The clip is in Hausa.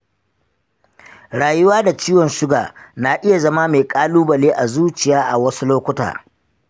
rayuwa da ciwon suga na iya zama mai ƙalubale a zuciya a wasu lokuta.